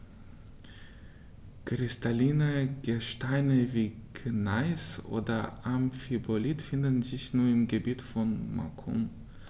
Kristalline Gesteine wie Gneis oder Amphibolit finden sich nur im Gebiet von Macun.